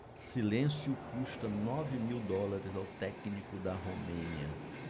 silêncio custa nove mil dólares ao técnico da romênia